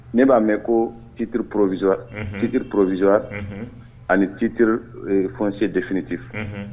Ne b'a mɛɛ koo titre provisoire unhun titre provisoire unhun ani titre foncé définitif